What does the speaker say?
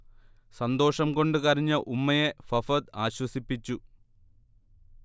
സന്തോഷം കൊണ്ടു കരഞ്ഞ ഉമ്മയെ ഫഫദ് ആശ്വസിപ്പിച്ചു